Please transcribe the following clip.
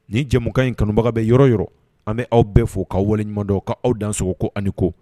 Ni jɛmukan in kanubaga be yɔrɔ-yɔrɔ an bɛ aw bɛɛ fo k'aw waleɲumandon ka aw dansogo ko a' ni ko